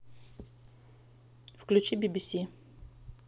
включи би би си